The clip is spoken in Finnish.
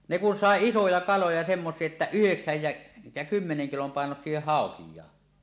ne kun sai isoja kaloja semmoisia että yhdeksän ja ja kymmenen kilon painoisia haukiakin